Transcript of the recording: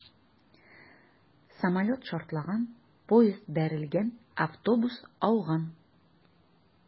Самолет шартлаган, поезд бәрелгән, автобус ауган...